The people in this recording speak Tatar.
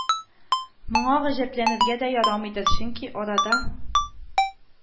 Моңа гаҗәпләнергә дә ярамыйдыр, чөнки арада